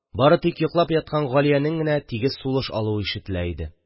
Бары тик йоклап яткан Галиянең генә тигез сулыш алуы ишетелә иде.